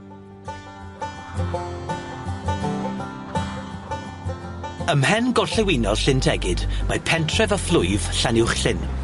Ym mhen gorllewinol Llyn Tegid mae pentref a phlwyf Llanuwchllyn